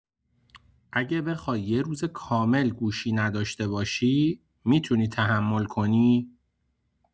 اگه بخوای یه روز کامل گوشی نداشته باشی، می‌تونی تحمل کنی؟